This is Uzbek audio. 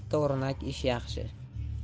bitta o'rnak ish yaxshi